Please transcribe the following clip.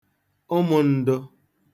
ụmụ̄n̄dụ̄